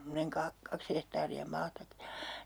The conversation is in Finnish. se on semmoinen - kaksi hehtaaria maatakin ja